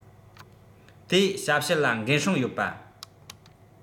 དེའི ཞབས ཞུ ལ འགན སྲུང ཡོད པ